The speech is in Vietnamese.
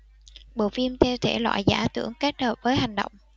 bộ phim theo thể loại giả tưởng kết hợp với hành động